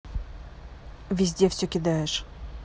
везде все кидаешь